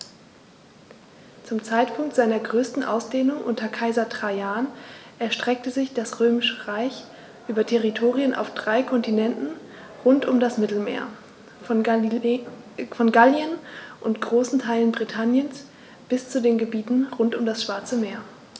Zum Zeitpunkt seiner größten Ausdehnung unter Kaiser Trajan erstreckte sich das Römische Reich über Territorien auf drei Kontinenten rund um das Mittelmeer: Von Gallien und großen Teilen Britanniens bis zu den Gebieten rund um das Schwarze Meer.